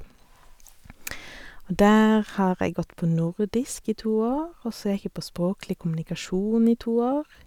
Og der har jeg gått på nordisk i to år, og så gikk jeg på språklig kommunikasjon i to år.